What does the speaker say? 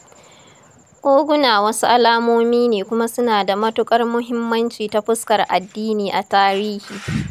Koguna wasu alamomi ne kuma suna da mutuƙar muhimmanci ta fuskar addini a tarihi.